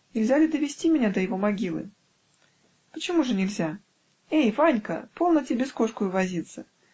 -- "Нельзя ли довести меня до его могилы?" -- "Почему же нельзя. Эй, Ванька! полно тебе с кошкою возиться.